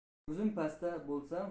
o'zim pasmanda bo'lsam